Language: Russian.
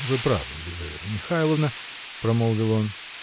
-- Вы правы, Лизавета Михайяовна, -- промолвил он.